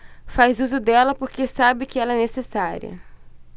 faz uso dela porque sabe que ela é necessária